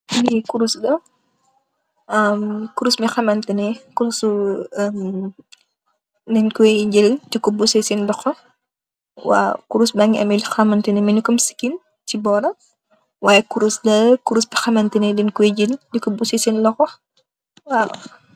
Lii kurus la, kurus bi nga xamante ne, kurusu... dañge kooy jël di ko bësee seen loxo. Waaw, kurus baa ñgi amee loo xamante ni, kom sikiñge si bóoram, waay kurus ga, kurus goo xamante ne dañg kooy jël di ko bësé seen loxo.